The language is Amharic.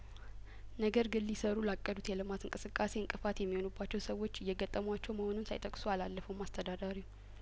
ነገር ግን ሊሰሩ ላቀዱት የልማት እንቅስቃሴ እንቅፋት የሚሆኑባቸው ሰዎች እየገጠሟቸው መሆኑን ሳይጠቅሱ አላለፉም አስተዳዳሪው